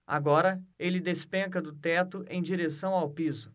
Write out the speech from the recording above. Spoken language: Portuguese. agora ele despenca do teto em direção ao piso